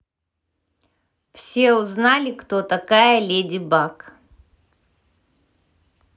все узнали кто такая леди баг